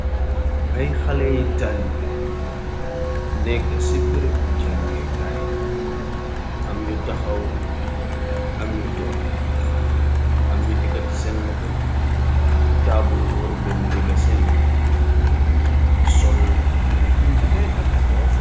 Ay haley yi talibè nekk ci berë bu jangeekaay. AM ñu tahaw, am ñu toog am ñu èkati senn loho taabul worr leen nekka senn diga nu ngi sol yire yu nduro walle.